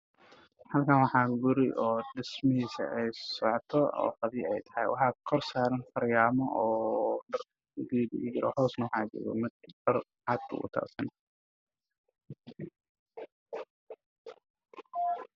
Waa guul haddaba oo dhismo ka socda oo laga sameynayo mataleelwaaxa ayaa lagu celinayaa niman ayaa dhisaayo oo jooga